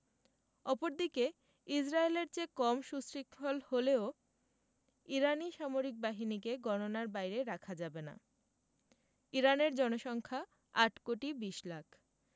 অপরদিকে ইসরায়েলের চেয়ে কম সুশৃঙ্খল হলেও ইরানি সামরিক বাহিনীকে গণনার বাইরে রাখা যাবে না ইরানের জনসংখ্যা ৮ কোটি ২০ লাখ